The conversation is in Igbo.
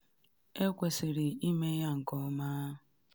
E kwesịrị ime ya nke ọma